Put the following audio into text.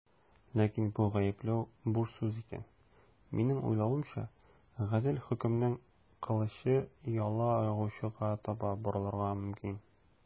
Ләкин бу гаепләү буш сүз икән, минем уйлавымча, гадел хөкемнең кылычы яла ягучыга таба борылырга мөмкин.